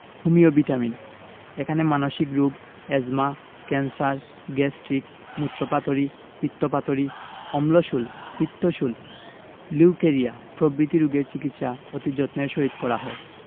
homeo vitamin এখানে মানসিক রোগ এ্যজমা ক্যান্সার গ্যাস্ট্রিক মুত্রপাথড়ী পিত্তপাথড়ী অম্লশূল পিত্তশূল লিউকেরিয়া প্রভৃতি রোগের চিকিৎসা অতি যত্নের সহিত করা হয়